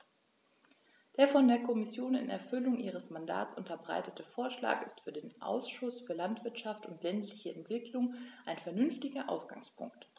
Der von der Kommission in Erfüllung ihres Mandats unterbreitete Vorschlag ist für den Ausschuss für Landwirtschaft und ländliche Entwicklung ein vernünftiger Ausgangspunkt.